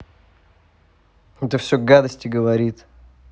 это все гадости говорит